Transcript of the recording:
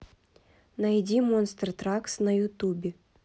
найди монстр тракс на ютубе